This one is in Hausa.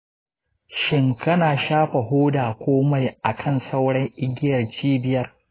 shin kina shafa hoda ko mai a kan sauran igiyar cibiyar?